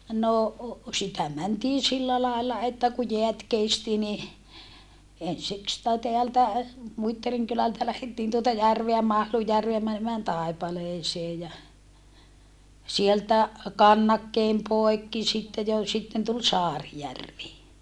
no sitä mentiin sillä lailla että kun jäät kesti niin ensin sitä täältä Muittarin kylältä lähdettiin tuota järveä Mahlunjärveä menemään Taipaleeseen ja sieltä kannakkeen poikki sitten jo sitten tuli Saarijärvi